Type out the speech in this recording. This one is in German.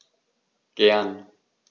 Gern.